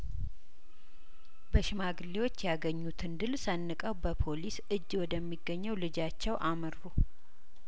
በሽማግሌዎች ያገኙትን ድል ሰንቀው በፖሊስ እጅ ወደሚገኘው ልጃቸው አመሩ